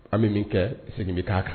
An bɛ min kɛ segin bɛ taa a kan